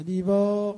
Ga